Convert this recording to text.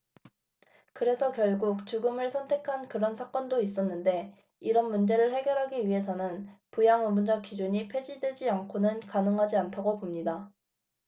그래서 결국 죽음을 선택한 그런 사건도 있었는데 이런 문제를 해결하기 위해서는 부양의무자 기준이 폐지되지 않고는 가능하지 않다고 봅니다